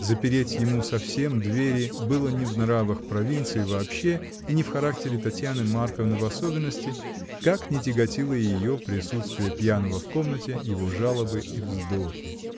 Запереть ему совсем двери было не в нравах провинции вообще и не в характере Татьяны Марковны в особенности, как ни тяготило ее присутствие пьяного в комнате, его жалобы и вздохи.